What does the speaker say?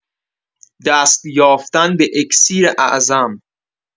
دست‌یافتن به اکسیر اعظم